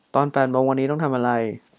ตอนแปดโมงวันนี้ต้องทำอะไร